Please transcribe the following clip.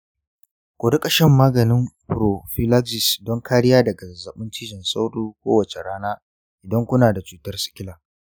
ku riƙa shan maganin prophylaxis don kariya daga zazzabin cizan sauro kowace rana idan kuna da cutar sikila